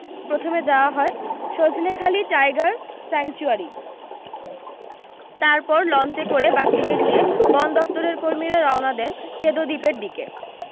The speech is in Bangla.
প্রথমে যাওয়া হয় সজনেখালি টাইগার স্যাংচুয়ারি তারপর লঞ্চে করে বাঘটিকে নিয়ে বন দফতরের কর্মীরা রওনা দেন কেঁদো দ্বীপের দিকে